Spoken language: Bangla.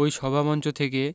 ওই সভামঞ্চ থেকেই